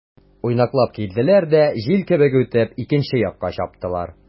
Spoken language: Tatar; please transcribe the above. Уйнаклап килделәр дә, җил кебек үтеп, икенче якка чаптылар.